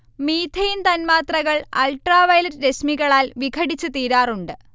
methane തന്മാത്രകൾ ultraviolet രശ്മികളാൽ വിഘടിച്ച് തീരാറുണ്ട്